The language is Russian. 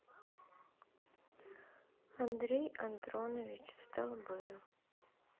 андрей андронович столбы